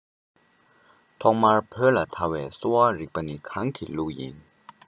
ཐོག མར བོད ལ དར བའི གསོ བ རིག པ ནི གང གི ལུགས ཡིན